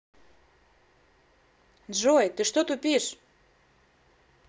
джой ты что тупишь